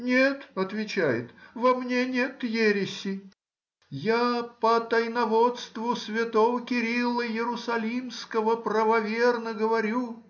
— Нет,— отвечает,— во мне нет ереси, я по тайноводству святого Кирилла Иерусалимского правоверно говорю